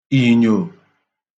ìnyò